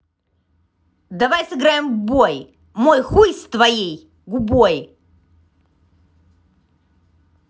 давай сыграем в бой мой хуй с твоей губой